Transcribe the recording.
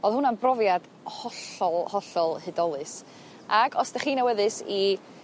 O'dd hwnna'n brofiad hollol hollol hudolus ag os 'dych chi'n awyddus i